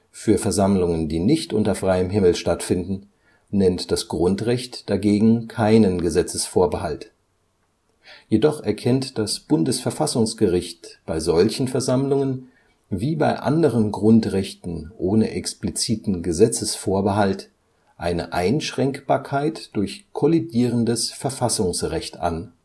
Für Versammlungen, die nicht unter freiem Himmel stattfinden, nennt das Grundrecht dagegen keinen Gesetzesvorbehalt. Jedoch erkennt das Bundesverfassungsgericht bei solchen Versammlungen wie bei anderen Grundrechten ohne expliziten Gesetzesvorbehalt eine Einschränkbarkeit durch kollidierendes Verfassungsrecht an